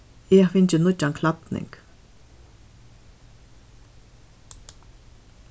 eg havi fingið nýggjan klædning